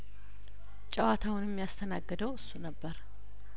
ጨዋታውንም ያስተናገ ደው እሱ ነበር